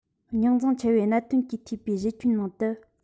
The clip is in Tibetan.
རྙོག འཛིང ཆེ བའི གནད དོན གྱིས འཐུས པའི གཞི ཁྱོན ནང དུ